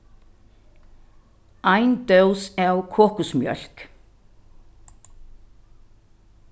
ein dós av kokusmjólk